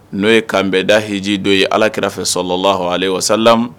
N'o ye kanbɛnda hji dɔ ye alakira fɛ sɔ la h ale wa sa